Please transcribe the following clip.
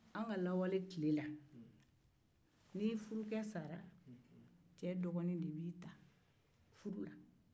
lawale la n'i cɛ fatura cɛ dɔgɔke de b'i ta furu la